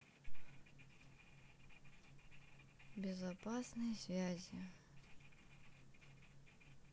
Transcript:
безопасные связи